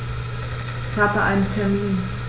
Ich habe einen Termin.